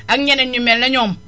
ak ñeneen ñu mel ne ñoom